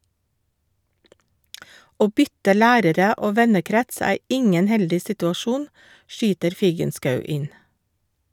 Å bytte lærere og vennekrets er ingen heldig situasjon, skyter Figenschou inn.